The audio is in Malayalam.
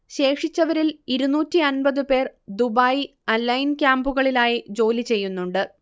ശേഷിച്ചവരിൽ ഇരുന്നൂറ്റി അൻപത് പേർ ദുബായ്, അൽഐൻ ക്യാംപുകളിലായി ജോലി ചെയ്യുന്നുണ്ട്